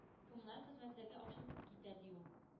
Коммуналь хезмәтләргә акча күп китә”, – ди ул.